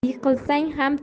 yiqilsang ham tuyadan